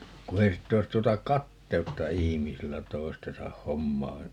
kun ei sitten olisi tuota kateutta ihmisillä toistensa hommaan